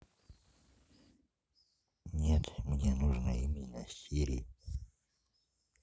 нет мне нужно именно сири